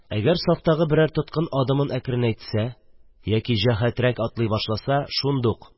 Әгәр сафтагы берәр тоткын адымын әкренәйтсә яки җәһәтрәк атлый башласа, шундук: